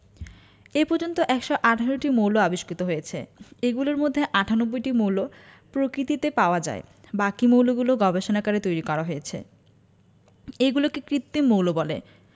এ পর্যন্ত ১১৮টি মৌল আবিষ্কৃত হয়েছে এগুলোর মধ্যে ৯৮টি মৌল প্রকৃতিতে পাওয়া যায় বাকি মৌলগুলো গবেষণাগারে তৈরি করা হয়েছে এগুলোকে কৃত্রিম মৌল বলে